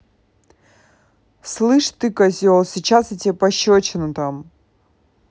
слышь ты козел сейчас я тебе пощечину там